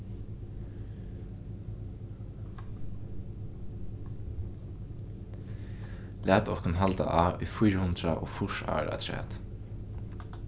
lat okkum halda á í fýra hundrað og fýrs ár afturat